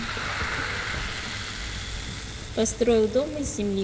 построил дом из земли